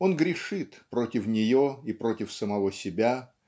он грешит против нее и против самого себя